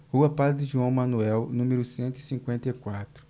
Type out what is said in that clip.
rua padre joão manuel número cento e cinquenta e quatro